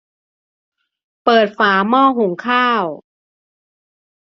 เปิดฝาหม้อหุงข้าว